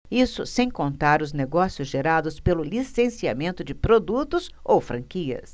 isso sem contar os negócios gerados pelo licenciamento de produtos ou franquias